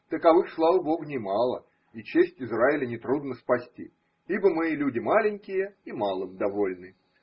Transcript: Таковых, слава Богу, немало, и честь Израиля нетрудно спасти, ибо мы люди маленькие и малым довольны.